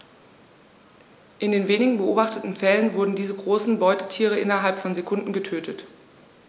In den wenigen beobachteten Fällen wurden diese großen Beutetiere innerhalb von Sekunden getötet.